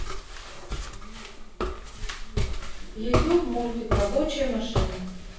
ютуб мультик рабочие машины